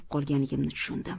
qolganligimni tushundim